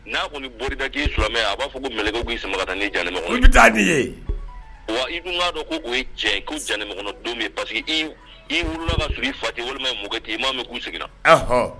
N'a kɔni bor'i da k'i ye sulamɛ ye a b'a fɔ ko mɛlɛkɛw k'i sama ka taa n'i ye jahɛnɛma kɔnɔ ko i be taa di ye wa i dun ŋ'a dɔn ko o ye tiɲɛ ye ko jahɛnɛmɛkɔnɔ don be ye parce que i w i wulula ka sɔrɔ i fa te ye walima i mokɛ te ye i m'a mɛ k'u siginna ahɔ